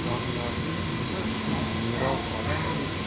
doniyorning nima uchun merov odamday